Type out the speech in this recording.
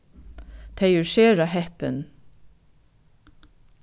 tey eru sera heppin